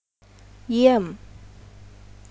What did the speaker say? เยี่ยม